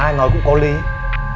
có lý